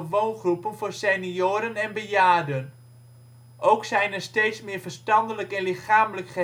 woongroepen voor senioren en bejaarden. Ook zijn er steeds meer verstandelijk en lichamelijk